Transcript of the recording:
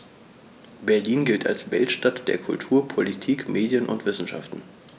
Berlin gilt als Weltstadt der Kultur, Politik, Medien und Wissenschaften.